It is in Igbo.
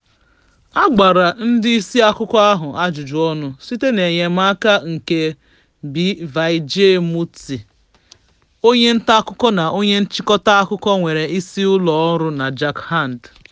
A gbara ndị isi akụkọ ahụ ajụjụ ọnụ site n'enyemaka nke B. Vijay Murty, onye ntaakụkọ na onye nchịkọta akụkọ nwere isi ụlọọrụ na Jharkhand.